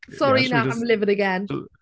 Sorry, nah, I'm livid again.